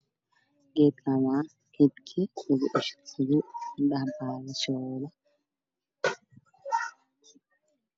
Geedkaas waa geedkii shla la gooyey oo waynaa